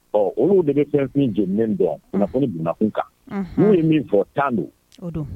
Ɔ olu de bɛ fɛnffin j bɛn yan kunnafoni donnakun kan olu ye min fɔ tan don